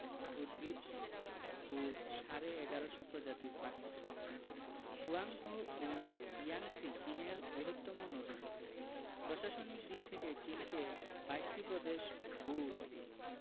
উদ্ভিত ও সাড়ে ১১শ প্রজাতির পাখি হোয়াংহো ও ইয়াংসি চীনের বৃহত্তম নদী প্রশাসনিক দিক থেকে চিনকে ২২ টি প্রদেশ ও